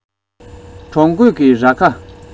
འབྲོང རྒོད ཀྱི རྭ ཁ